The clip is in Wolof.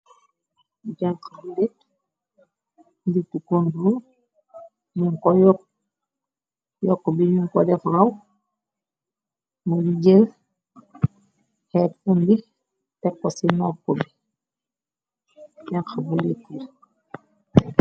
Jarqb let litu konro muñ ko yokk bi ñuñ ko def raw mu li jël xeet undi te ko ci nopp bi janx bu letir.